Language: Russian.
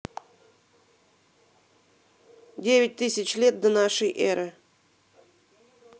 десять тысяч лет до нашей эры